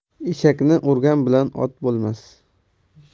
eshakni urgan bilan ot bo'lmas